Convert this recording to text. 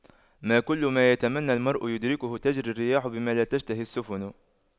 ما كل ما يتمنى المرء يدركه تجرى الرياح بما لا تشتهي السفن